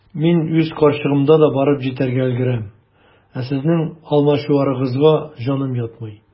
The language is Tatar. Мин үз карчыгымда да барып җитәргә өлгерәм, ә сезнең алмачуарыгызга җаным ятмый.